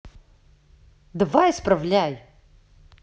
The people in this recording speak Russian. давай исправляй